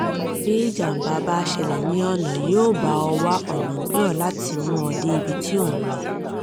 Bí ìjàmbá bá ṣẹlẹ̀ ní ọ̀nà yóò bá ọ wá ọ̀nà mìíràn láti mú ọ dé ibi tí ò ń lọ.